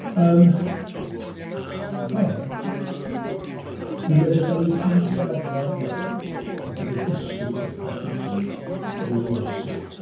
Yym, her, dwi'n meddwl dan ni gyd di arfer rŵan, a dan ni'n disgwyl i bethau ddigwydd yn unionsyth.